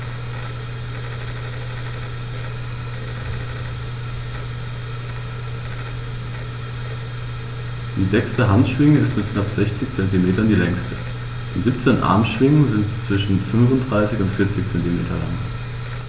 Die sechste Handschwinge ist mit knapp 60 cm die längste. Die 17 Armschwingen sind zwischen 35 und 40 cm lang.